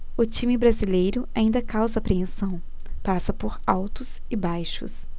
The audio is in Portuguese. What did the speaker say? o time brasileiro ainda causa apreensão passa por altos e baixos